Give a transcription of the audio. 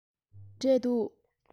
འབྲས འདུག